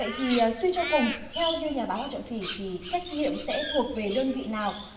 vậy thì suy cho cùng theo như nhà báo hoàng trọng thủy thì trách nhiệm sẽ thuộc về đơn vị nào